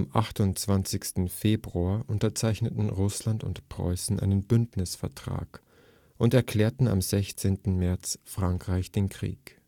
28. Februar unterzeichneten Russland und Preußen einen Bündnisvertrag und erklärten am 16. März Frankreich den Krieg